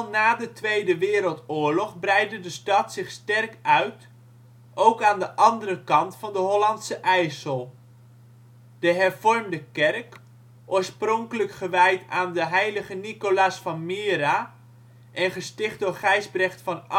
na de Tweede Wereldoorlog breidde de stad zich sterk uit, ook aan de andere kant van de Hollandse IJssel. De Hervormde Kerk, oorspronkelijk gewijd aan de heilige Nicolaas van Myra en gesticht door Gijsbrecht van